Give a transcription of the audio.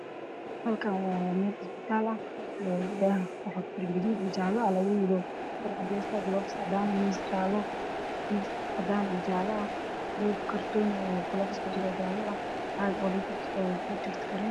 Halkaan waxaa ka muuqdo labo dhalinyaro ah mid uu qabo jaakad caafimaadka waxaa hoos yaalo miis ay saaran yihiin daawooyin background kana waxaa ku xiran maro guduud ah